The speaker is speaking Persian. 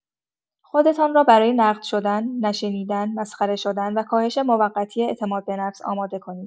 خودتان را برای نقد شدن، نه شنیدن، مسخره شدن و کاهش موقتی اعتماد به نفس آماده کنید.